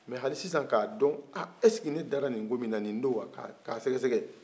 mɛ hali sisan k'a dɔn aa ɛseke ne dara nin ko min na nin do wa k'a sɛgɛsɛgɛ